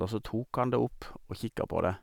Og så tok han det opp og kikka på det.